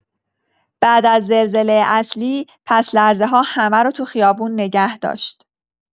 بعد از زلزله اصلی، پس‌لرزه‌ها همه رو تو خیابون نگه داشت.